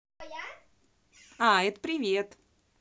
а это привет